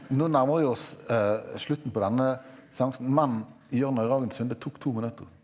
nå nærmer vi oss slutten på denne seansen, men Jørn Øyrehagen Sunde tok to minutter.